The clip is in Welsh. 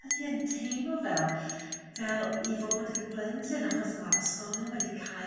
ydi e'n teimlo fel fel i fod yn blentyn? Achos ma' ysgolion wedi cau